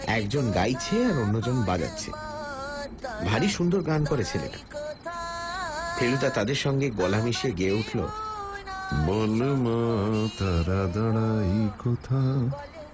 একজন গাইছে আর অন্যজন বাজাচ্ছে ভারী সুন্দর গান করে ছেলেটা ফেলুদা তাদের সঙ্গে গলা মিশিয়ে গেয়ে উঠল বল মা তাঁরা দাড়াই কোথা